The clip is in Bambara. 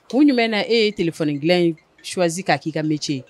Kun jumna e ye t tile kunnafoni dilan in swasi k'a k'i ka mɛn cɛ